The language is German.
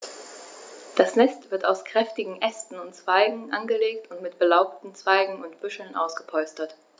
Das Nest wird aus kräftigen Ästen und Zweigen angelegt und mit belaubten Zweigen und Büscheln ausgepolstert.